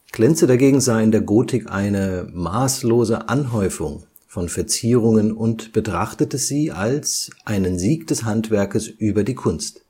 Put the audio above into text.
Klenze dagegen sah in der Gotik eine „ maßlose Anhäufung “von Verzierungen und betrachtete sie als „ einen Sieg des Handwerkes über die Kunst